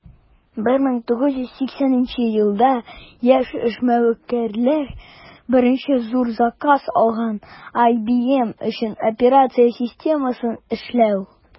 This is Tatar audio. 1980 елда яшь эшмәкәрләр беренче зур заказ алган - ibm өчен операция системасын эшләү.